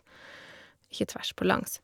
Ikke tvers, på langs.